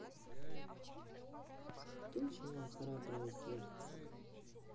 кто снял храброе сердце